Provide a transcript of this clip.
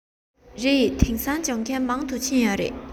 རེད དེང སང སྦྱོང མཁན མང དུ ཕྱིན ཡོད རེད